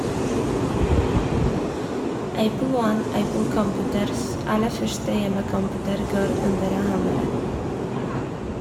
Apple 1, Apple Computers' aller første hjemmecomputer, går under hammeren.